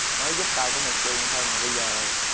mới giúp tao có một chuyện thôi mà bây giờ